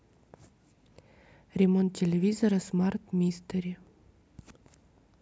ремонт телевизора смарт мистери